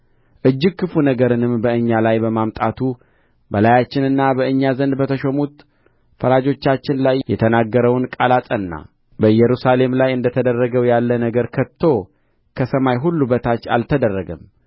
እጅግ ክፉ ነገርንም በእኛ ላይ በማምጣቱ በላያችንና በእኛ ዘንድ በተሾሙት ፈራጆቻችን ላይ የተናገረውን ቃል አጸና በኢየሩሳሌምም ላይ እንደ ተደረገው ያለ ነገር ከቶ ከሰማይ ሁሉ በታች አልተደረገም